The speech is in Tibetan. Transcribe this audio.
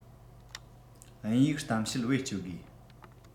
དབྱིན ཡིག གཏམ བཤད བེད སྤྱོད དགོས